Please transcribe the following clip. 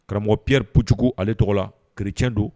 Karamɔgɔ ppɛrip kojugu ale tɔgɔ la kirec don